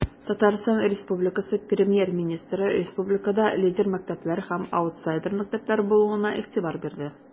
ТР Премьер-министры республикада лидер мәктәпләр һәм аутсайдер мәктәпләр булуына игътибар бирде.